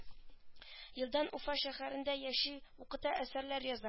Елдан уфа шәһәрендә яши укыта әсәрләр яза